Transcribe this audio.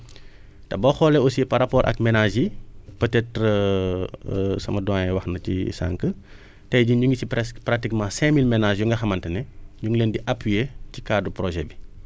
te boo xoolee aussi par rapport ak ménages yi peut être sama doyen wax na ci sànq tey jii ñu ngi si presque pratiquement cinq mille ménages yu nga xamante ne ñu ngi leen di appuyer ci cadre projet bi